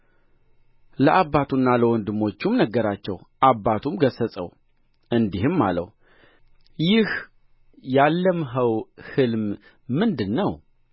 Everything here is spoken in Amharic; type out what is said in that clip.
ለአባቱና ለወንድሞቹም ነገራቸው አባቱም ገሠጸው እንዲህም አለው ይህ ያለምኸው ሕልም ምንድር ነው